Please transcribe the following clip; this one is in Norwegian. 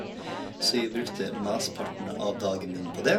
Så jeg brukte mesteparten av dagen min på dét.